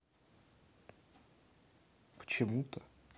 почему то